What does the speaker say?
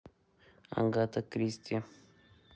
агата кристи